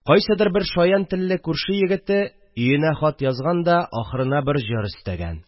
Кайсыдыр бер шаян телле күрше егете өенә хат язган да, ахырына бер җыр өстәгән